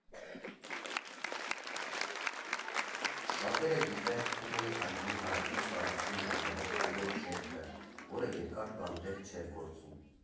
Շատերը գիտեն Թումոյի այգու հարակից տարածքում գտնվող կլոր շենքը, որը երկար տարիներ չէր գործում։